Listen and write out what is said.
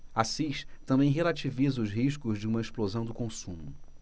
assis também relativiza os riscos de uma explosão do consumo